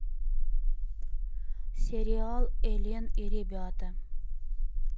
сериал элен и ребята